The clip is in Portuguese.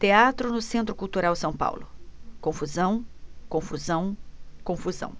teatro no centro cultural são paulo confusão confusão confusão